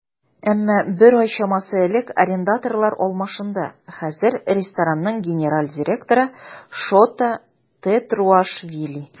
Әмма бер ай чамасы элек арендаторлар алмашынды, хәзер ресторанның генераль директоры Шота Тетруашвили.